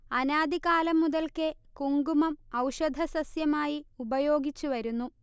അനാദി കാലം മുതൽക്കേ കുങ്കുമം ഔഷധസസ്യമായി ഉപയോഗിച്ചുവരുന്നു